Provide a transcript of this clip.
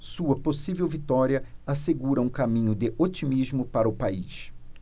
sua possível vitória assegura um caminho de otimismo para o país